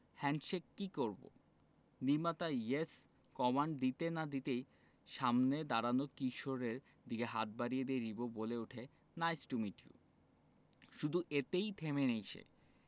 handshake কি করবো নির্মাতা ইয়েস কমান্ড দিতে না দিতেই সামনের দাঁড়ানো কিশোরের দিকে হাত বাড়িয়ে দিয়ে রিবো বলে উঠে নাইস টু মিট ইউ শুধু এতেই থেমে নেই সে